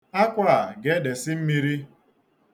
Akwa a ga-edesi mmiri.